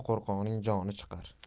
qo'rqoqning joni chiqar